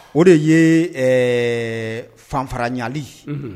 O de ye fanfarayali